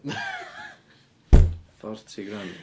Forty grand!